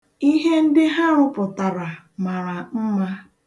Ihe ndị ha rụpụtara mara mma.